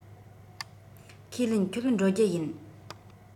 ཁས ལེན ཁྱོད འགྲོ རྒྱུ ཡིན